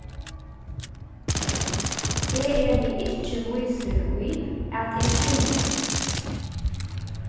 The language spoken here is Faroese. eg eri ikki vísur í at eg skilji